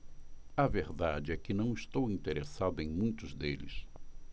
a verdade é que não estou interessado em muitos deles